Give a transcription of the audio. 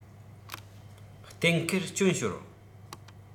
གཏན འཁེལ རྐྱོན ཤོར